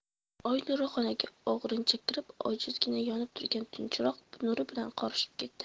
oy nuri xonaga o'g'rincha kirib ojizgina yonib turgan tunchiroq nuri bilan qorishib ketdi